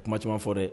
kuma caman fɔ dɛ